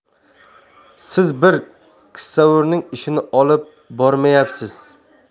siz bir kissavurning ishini olib bormayapsiz